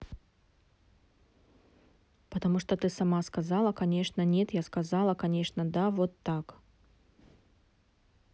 потому что ты сама сказала конечно нет я сказала конечно да вот так